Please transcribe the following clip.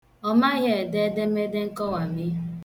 Ọ maghị ede edemede nkọwami.